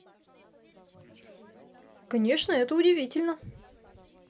конечно это удивительно